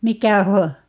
mikä -